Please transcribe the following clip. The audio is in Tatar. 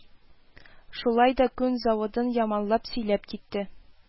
Шулай да күн заводын яманлап сөйләп китте: